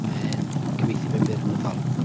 Mae'n cyfeithu fe'n beirianyddol.